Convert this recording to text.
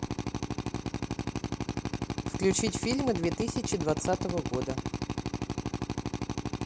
включить фильмы две тысячи двадцатого года